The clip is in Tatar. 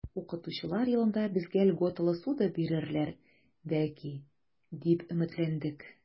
Укытучылар елында безгә льготалы ссуда бирерләр, бәлки, дип өметләндек.